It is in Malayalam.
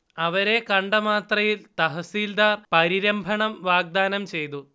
അവരെ കണ്ട മാത്രയിൽ തഹസീൽദാർ പരിരംഭണം വാഗ്ദാനം ചെയ്തു